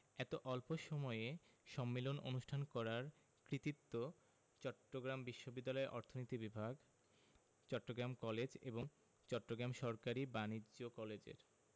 এত অল্প এ সম্মেলন অনুষ্ঠান করার কৃতিত্ব চট্টগ্রাম বিশ্ববিদ্যালয়ের অর্থনীতি বিভাগ চট্টগ্রাম কলেজ এবং চট্টগ্রাম সরকারি বাণিজ্য কলেজের